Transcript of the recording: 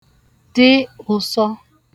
dị ụ̄sọ̄